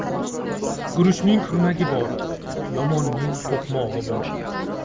guruchning kurmagi bor yomonning to'qmog'i bor